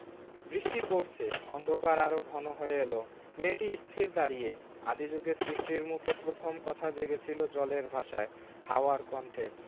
বৃষ্টি পরছে অন্ধকার আরো ঘন হয়ে এল মেয়েটি স্থির দাঁড়িয়ে আদি জুগে সৃষ্টির মুখে প্রথম কথা জেগেছিল জলের ভাষায় হাওয়ার কণ্ঠে